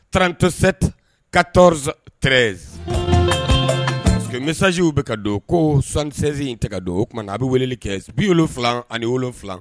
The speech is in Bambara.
37 14 13 parce que message u be ka don koo 76 in tɛ ka don o tumana a' be weleli kɛ 77